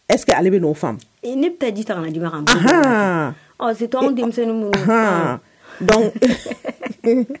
Est ce que ale bɛn'o faamu, ne bɛ taa ji ta ka na di